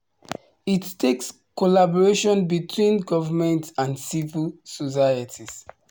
It takes collaboration between governments and civil society.